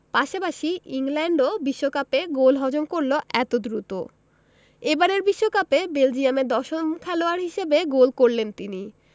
পাশাপাশি ইংল্যান্ডও বিশ্বকাপে গোল হজম করল এত দ্রুত এবারের বিশ্বকাপে বেলজিয়ামের দশম খেলোয়াড় হিসেবে গোল করলেন তিনি